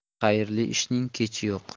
xayrli ishning kechi yo'q